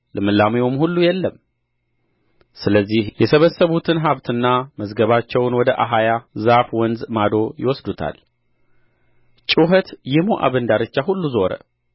ልምላሜውም ሁሉ የለም ስለዚህ የሰበሰቡትን ሀብትና መዝገባቸውን ወደ አኻያ ዛፍ ወንዝ ማዶ ይወስዱታል ጩኸት የሞዓብን ዳርቻ ሁሉ ዞረ